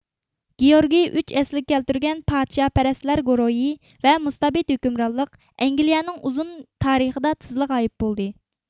گېئورگې ئۈچ ئەسلىگە كەلتۈرگەن پادىشاھپەرەس لەر گۇرۇھى ۋە مۇستەبىت ھۆكۈمرانلىق ئەنگلىيىنىڭ ئۇزۇن تارىخىدا تېزلا غايىب بولدى